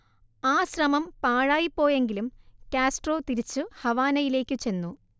ആ ശ്രമം പാഴായിപോയെങ്കിലും കാസ്ട്രോ തിരിച്ചു ഹവാനയിലേക്കു ചെന്നു